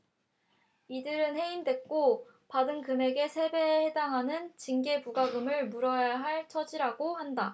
이들은 해임됐고 받은 금액의 세 배에 해당하는 징계부과금을 물어야 할 처지라고 한다